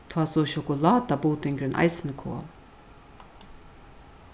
tá so sjokulátabudingurin eisini kom